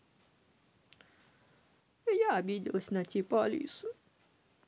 я обиделась на типа алиса